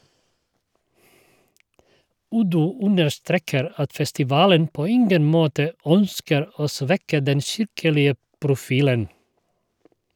Uddu understreker at festivalen på ingen måte ønsker å svekke den kirkelige profilen.